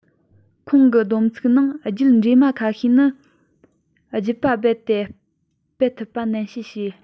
ཁོང གི བསྡོམས ཚིག ནང རྒྱུད འདྲེས མ ཁ ཤས ནི རྒྱུད པ རྦད དེ སྤེལ ཐུབ པ ནན བཤད བྱས